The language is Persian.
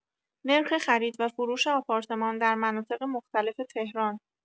نرخ خرید و فروش آپارتمان در مناطق مختلف تهران